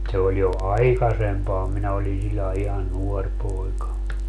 se oli jo aikaisempaa minä olin sellainen ihan nuori poika